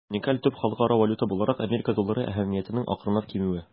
Уникаль төп халыкара валюта буларак Америка доллары әһәмиятенең акрынлап кимүе.